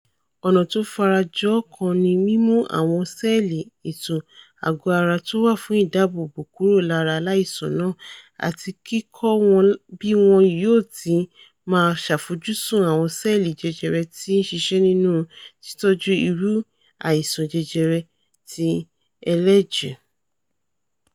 Ọ́ná tó farajọ ọ́ kan ni mímú àwọn ṣẹ́ẹ̀lì ètò àgọ́-ara tówà fún ìdáààbòbò kùrò lára aláìsàn náà àti ''kíkọ́'' wọn bí wọn yóò ti máa ṣàfojúsùn àwọn ṣẹ́ẹ̀lì jẹjẹrẹ ti ṣiṣẹ́ nínú títọ́jú irú áìsàn jẹjẹrẹ ti ẹlẹ́ẹ̀jẹ̀.